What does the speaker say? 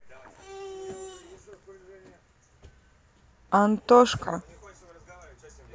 антошка